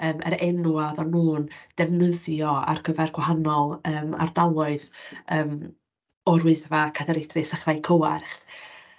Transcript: Yym yr enwau oedden nhw'n defnyddio ar gyfer gwahanol yym ardaloedd yym o'r Wyddfa, Cadair Idris a Chraig Cywarth.